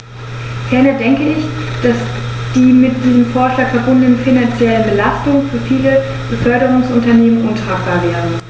Ferner denke ich, dass die mit diesem Vorschlag verbundene finanzielle Belastung für viele Beförderungsunternehmen untragbar wäre.